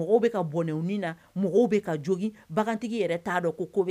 Mɔgɔw bɛ ka bɔɛw na mɔgɔw bɛ ka jogin bagantigi yɛrɛ t'a dɔn ko